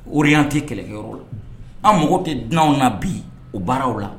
O tɛ kɛlɛkɛyɔrɔ la an mɔgɔw tɛ dunananw na bi u baaraw la